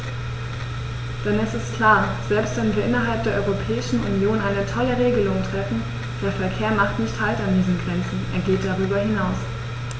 Denn es ist klar: Selbst wenn wir innerhalb der Europäischen Union eine tolle Regelung treffen, der Verkehr macht nicht Halt an diesen Grenzen, er geht darüber hinaus.